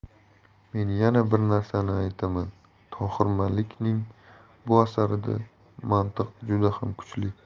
men yana bir narsani aytaman tohir malikning bu asarida mantiq juda ham kuchli